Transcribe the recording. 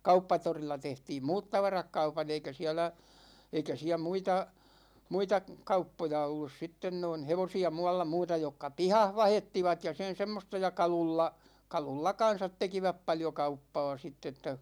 Kauppatorilla tehtiin muut tavarat kaupan eikä siellä eikä siellä muita muita kauppoja ollut sitten noin hevosia muualla muuta jotka pihassa vaihettivat ja sen semmoista ja kaluilla kaluilla kanssa tekivät paljon kauppaa sitten että